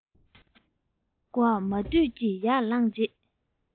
གོག མ དུད ཀྱིས ཡར ལངས རྗེས